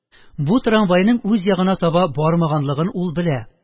Бу трамвайның үз ягына таба бармаганлыгын ул белә